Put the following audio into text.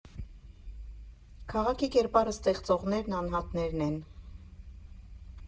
Քաղաքի կերպարը ստեղծողներն անհատներն են։